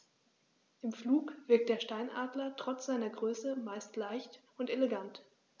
Im Flug wirkt der Steinadler trotz seiner Größe meist sehr leicht und elegant.